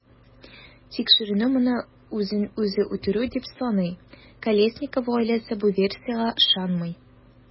Тикшеренү моны үзен-үзе үтерү дип саный, Колесников гаиләсе бу версиягә ышанмый.